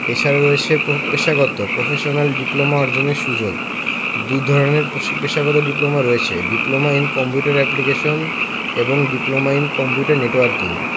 এছাড়া রয়েছে পেশাগত প্রফেশনাল ডিপ্লোমা অর্জনের সুযোগ দুধরনের পেশাগত ডিপ্লোমা রয়েছে ডিপ্লোমা ইন কম্পিউটার অ্যাপ্লিকেশন এবং ডিপ্লোমা ইন কম্পিউটার নেটওয়ার্কিং